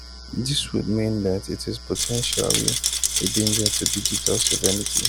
This would mean that it is potentially a danger to digital sovereignty.